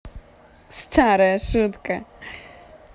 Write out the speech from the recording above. старая шутка